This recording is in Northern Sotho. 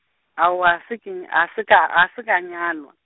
aowa se ke n-, a se ka, a se ka nyalwa.